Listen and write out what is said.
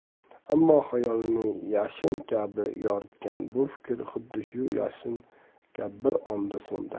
ammo xayolini yashin kabi yoritgan bu fikr xuddi shu yashin kabi bir onda so'ndi